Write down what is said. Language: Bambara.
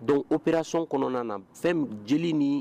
Don opra sɔn kɔnɔna na fɛn jeli ni